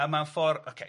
A mae'n ffor- ocê,